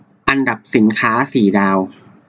อันดับสินค้าสี่ดาว